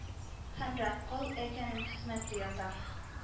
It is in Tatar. Хәмракол әкәнең хезмәте ята